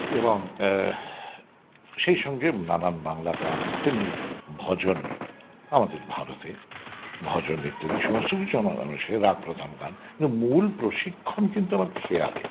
এবং সেই সঙ্গে নানান বাংলা গান তেমনি ভজন আমাদের ভারতে ভজন ইত্যাদি সমস্ত কিছু আমাদের রাগপ্রধান গান কিন্তু মূল প্রশিক্ষণ কিন্তু আমার খেয়ালে